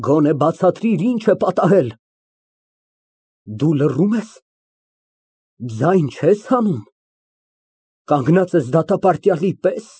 Գոնե բացատրիր, ինչ է պատահել։ (Լռություն) Ա, դու լսո՞ւմ ես ձայն չես հանում, կանգնած ես դատապարտյալի պե՞ս։